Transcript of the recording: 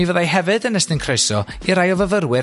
Mi fyddai hefyd yn estyn croeso i rai o fyfyrwyr